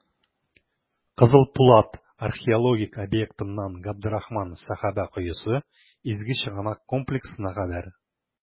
«кызыл пулат» археологик объектыннан "габдрахман сәхабә коесы" изге чыганак комплексына кадәр.